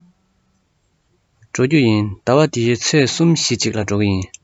ད དུང སོང མེད ཟླ བ འདིའི ཚེས གསུམ བཞིའི གཅིག ལ འགྲོ གི ཡིན